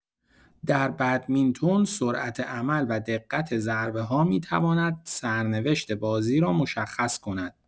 در بدمینتون، سرعت عمل و دقت ضربه‌ها می‌تواند سرنوشت بازی را مشخص کند.